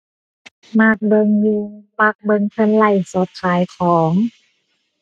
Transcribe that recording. มักเบิ่งอยู่ มักเบิ่งเพิ่นไลฟ์สดขายของ